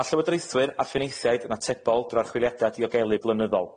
Ma' llywodraethwyr a phenaethiaid yn atebol drwy archwiliadau diogelu blynyddol.